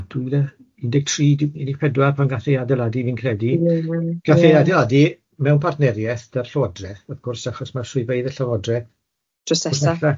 o dwy fil a un deg tri un deg pedwar pan ga'th e'i adeiladu fi'n credu, ga'th e'i adeiladu mewn partneriaeth 'da'r Llywodraeth wrth gwrs achos ma' swyddfeydd y Llywodraeth...drws nesa... drws nesa.